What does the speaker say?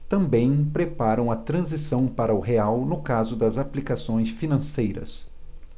também preparam a transição para o real no caso das aplicações financeiras